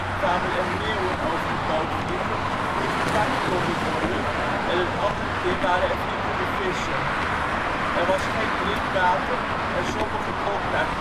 kwamen er meeuwen over de boot heen vliegen, die gepakt konden worden, en een andere keer waren er vliegende vissen. Er was geen drinkwater en sommigen dronken uit